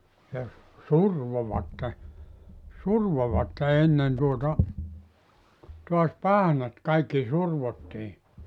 ja survoivat survoivat ennen tuota taas pahnat kaikki survottiin